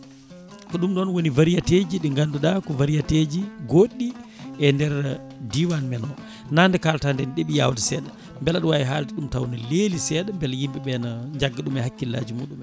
ko ɗum noon woni variété ji ɗi ganduɗa ko variété ji goɗɗi e nder diwan men o seeɗa beela aɗa wawi haalde ɗum tawa ne leeli seeva beela yimɓeɓe ne jagga ɗum e hakkillaji muɗumen